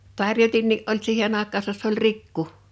tarjotinkin oli siihen aikaansa se oli rikku